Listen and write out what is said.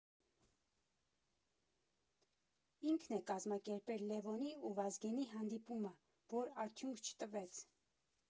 Ինքն է կազմակերպել Լևոնի ու Վազգենի հանդիպումը, որ արդյունք չտվեց։